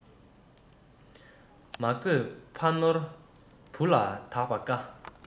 མ བཀོད ཕ ནོར བུ ལ བདག པ དཀའ